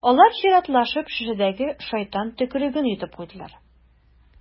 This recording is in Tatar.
Алар чиратлашып шешәдәге «шайтан төкереге»н йотып куйдылар.